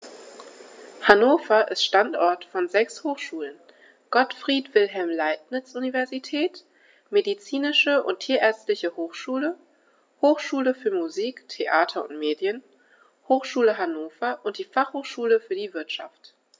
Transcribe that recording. Hannover ist Standort von sechs Hochschulen: Gottfried Wilhelm Leibniz Universität, Medizinische und Tierärztliche Hochschule, Hochschule für Musik, Theater und Medien, Hochschule Hannover und die Fachhochschule für die Wirtschaft.